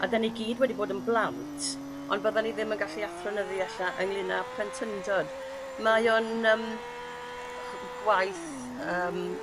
A 'dyn ni gyd wedi bod yn blant ond byddan ni ddim yn gallu athronyddi ella ynglŷn â plentyndod mae o'n yym yy ch- gwaith yym